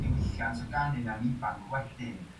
diwylliant o ganu 'na'n ifanc wedyn